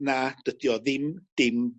na dydi o ddim dim